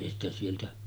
ei sitä sieltä